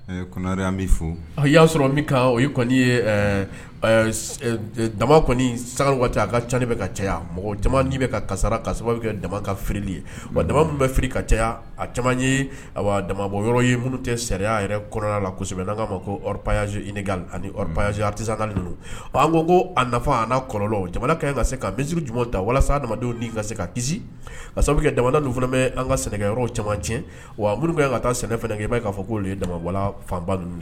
Y'a sɔrɔ min o kɔni dama san a ka ca ka caya mɔgɔ ka ka sababu kɛ ka fili ye wa dama bɛ fili ka caya a damabɔ yɔrɔ ye minnu tɛ sariya yɛrɛ la kosɛbɛ n'az aga ninnu ko ko a nafa kɔlɔn jamana kɛ ka se ka min sigi jumɛn ta walasa damadamadenw ka se ka kisi ka sababu kɛ jamana ninnu fana bɛ an ka sɛnɛ caman tiɲɛ wa minnu ka taa sɛnɛ b'a k'a k'olu ye dama fanba